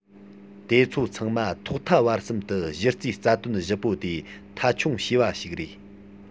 དེ ཚོ ཚང མ ཐོག མཐའ བར གསུམ དུ གཞི རྩའི རྩ དོན བཞི པོ དེ མཐའ འཁྱོངས བྱས པ ཞིག རེད